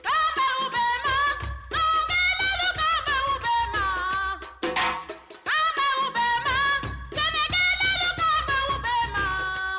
N kan b'aw bɛɛ ma, dɔnkɛlalu n kan b'aw bɛɛ ma, n kan b'aw bɛɛ ma, sɛnɛkɛlalu n kan b'aw bɛɛ ma